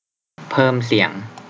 เพิ่มเสียง